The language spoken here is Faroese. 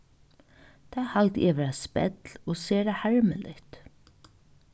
tað haldi eg vera spell og sera harmiligt